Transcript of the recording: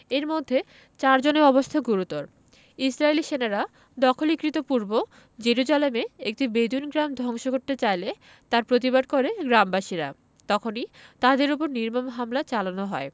এর মধ্যে চার জনের অবস্থা গুরুত্বর ইসরাইলি সেনারা দখলীকৃত পূর্ব জেরুজালেমে একটি বেদুইন গ্রাম ধ্বংস করতে চাইলে তার প্রতিবাদ করে গ্রামবাসীরা তখনই তাদের ওপর নির্মম হামলা চালানো হয়